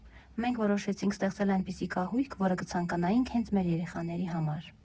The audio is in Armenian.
֊ Մենք որոշեցինք ստեղծել այնպիսի կահույք, որը կցանկանայինք հենց մեր երեխաների համար»։